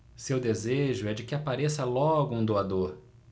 seu desejo é de que apareça logo um doador